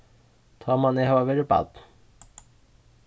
tá man eg hava verið barn